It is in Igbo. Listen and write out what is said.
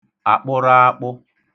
àkpụraakpụ